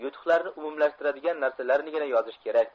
yutuqlarni umumlashtiradigan narsalarnigina yozish kerak